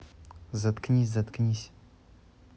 заткнись заткнись